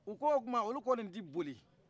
u ko o tuma olu kɔni tɛ boli